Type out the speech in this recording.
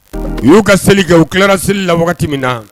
U y'u ka seli kɛ u tilala seli la wagati min na